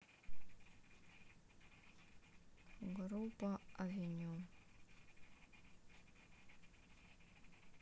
группа авеню